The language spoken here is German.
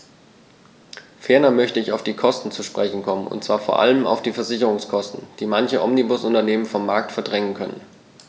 Ferner möchte ich auf die Kosten zu sprechen kommen, und zwar vor allem auf die Versicherungskosten, die manche Omnibusunternehmen vom Markt verdrängen könnten.